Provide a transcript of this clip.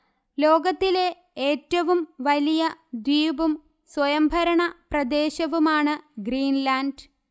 ലോകത്തിലെ ഏറ്റവും വലിയ ദ്വീപും സ്വയംഭരണ പ്രദേശവുമാണ് ഗ്രീൻലാൻഡ്